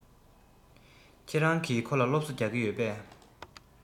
ཁྱེད རང གིས ཁོ ལ སློབ གསོ རྒྱག གི ཡོད པས